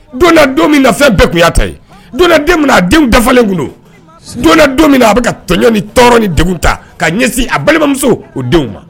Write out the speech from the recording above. Don don min na fɛn bɛɛ kunya ta ye don den min a denw dafalen don don min na a bɛ tɔnɔn ni tɔɔrɔ ni ta k'a ɲɛsin a balimamuso o denw ma